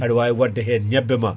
aɗa wawi wadde hen ñebe ma